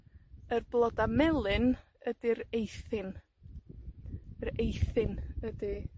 y bloda melyn ydi'r eithin. Yr eithin ydi